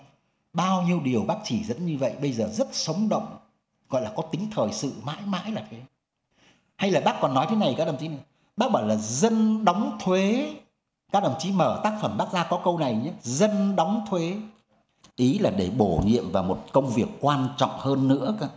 bao nhiêu điều bác chỉ dẫn như vậy bây giờ rất sống động gọi là có tính thời sự mãi mãi là thế hay là bác còn nói thế này các đồng chí này bác bảo là dân đóng thuế các đồng chí mở tác phẩm bác ra có câu này nhá dân đóng thuế ý là để bổ nhiệm vào một công việc quan trọng hơn nữa cơ